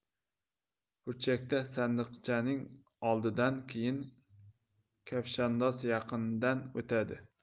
burchakda sandiqning oldidan keyin kavshandoz yaqinidan o'tadi